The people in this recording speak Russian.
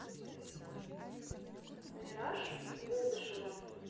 мираж болдышева